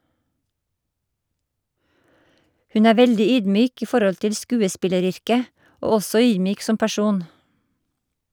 Hun er veldig ydmyk i forhold til skuespilleryrket, og også ydmyk som person.